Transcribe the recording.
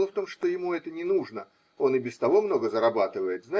дело в том, что ему это не нужно, он и без того много зарабатывает